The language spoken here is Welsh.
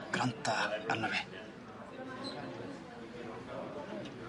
Granda arno fi.